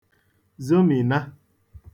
zomìna